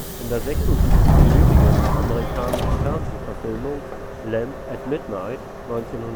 In der 76-minütigen amerikanischen Fernsehverfilmung Lamp at Midnight (1966